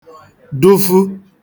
dụfu